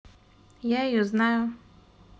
я ее знаю